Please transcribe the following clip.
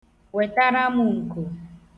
Wetara m nko.